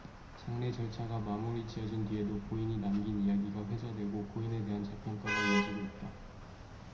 장례 절차가 마무리지어진 뒤에도 고인이 남긴 이야기가 회자되고 고인에 대한 재평가가 이어지고 있다